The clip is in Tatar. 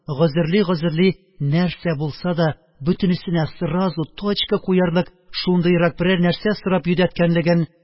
Гозерли-гозерли нәрсә булса да «бөтенесенә сразу точка куярлык» шундыйрак берәр нәрсә сорап йөдәткәнлеген